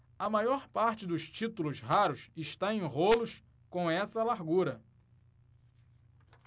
a maior parte dos títulos raros está em rolos com essa largura